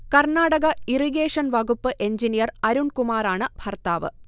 Karnataka irrigation വകുപ്പ് engineer അരുൺകുമാറാണ് ഭർത്താവ്